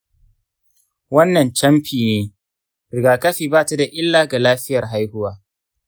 wannan camfi ne; rigakafi batada illa ga lafiyar haihuwa